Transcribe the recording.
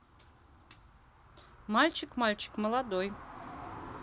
мальчик мальчик молодой